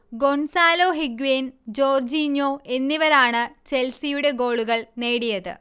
Gonzalo Higuain, Jorginho എന്നിവരാണ് ചെൽസിയുടെ ഗോളുകൾ നേടിയത്